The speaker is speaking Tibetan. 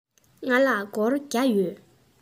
ང ལ སྒོར བརྒྱ ཡོད